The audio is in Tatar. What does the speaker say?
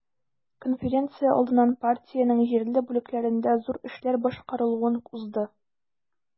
Конференция алдыннан партиянең җирле бүлекләрендә зур эшләр башкарылуын узды.